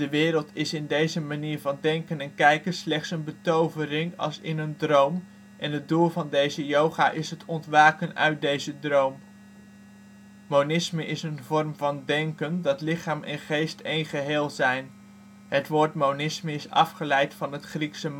wereld is in deze manier van denken en kijken slechts een betovering, als in een droom, en het doel van deze yoga is het ontwaken uit deze droom. Monisme is een vorm van denken, dat lichaam en geest één geheel zijn. Het woord monisme is afgeleid van het Griekse